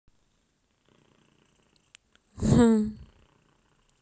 г